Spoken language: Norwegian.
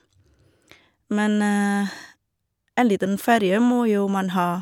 Men en liten ferie må jo man ha.